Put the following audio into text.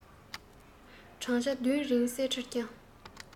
བགྲང བྱ བདུན རིང གསེར ཁྲི བསྐྱངས